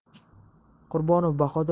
qurbonov bahodir